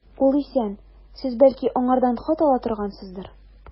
Ул исән, сез, бәлки, аңардан хат ала торгансыздыр.